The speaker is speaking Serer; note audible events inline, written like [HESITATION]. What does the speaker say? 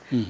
[HESITATION] [HESITATION]